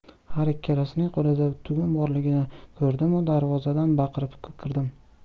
har ikkalasining qo'lida tugun borligini ko'rdimu darvozadan baqirib kirdim